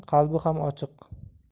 qalbi ham ochiq